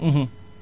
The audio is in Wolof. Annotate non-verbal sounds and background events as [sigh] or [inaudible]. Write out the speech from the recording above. [hesitation] [hesitation]